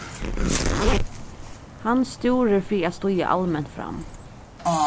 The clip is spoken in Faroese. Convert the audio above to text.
hann stúrir fyri at stíga alment fram